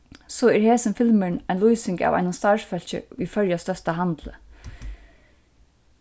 so er hesin filmurin ein lýsing av einum starvsfólki í føroya størsta handli